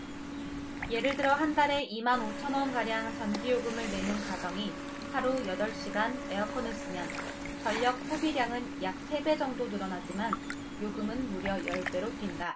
예를 들어 한 달에 이 만 오천 원가량 전기요금을 내는 가정이 하루 여덟 시간 에어컨을 쓰면 전력 소비량은 약 세 배 정도 늘어나지만 요금은 무려 열 배로 뛴다